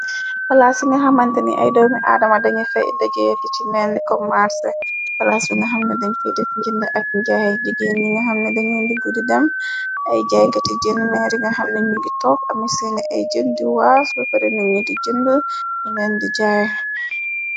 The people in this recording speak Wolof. Palaas yi nga xamant ni ay doomi adama dañu fay dajefi ci meldi kommarse palaas bu nga xamna dañu fay def njënd ak njaay jegeen ñi nga xamne dañu nliggu di dem ay jaay kati jën mery nga xamna ñu gi toog ami seeni ay jënd di waas la fare na ñi di jënd ñu leen di jaay.